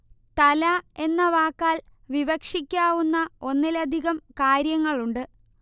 തല എന്ന വാക്കാൽ വിവക്ഷിക്കാവുന്ന ഒന്നിലധികം കാര്യങ്ങളുണ്ട്